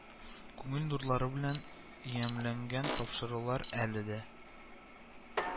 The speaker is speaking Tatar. Күңел нурлары белән ямьләнгән тапшырулар әле дә